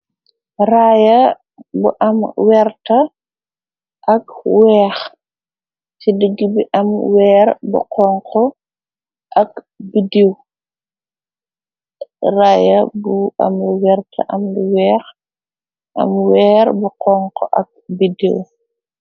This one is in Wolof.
Raya bu am werta ak weex ci digg bi am weer bu xon ak bidiw raaya bu am wert am lu weex am weer bu xonxo ak bidiw.